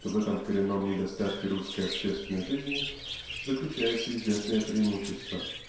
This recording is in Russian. что в этом коренном недостатке русской общественной жизни заключается известное преимущество.